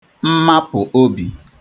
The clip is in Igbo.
mmapụ̀ obi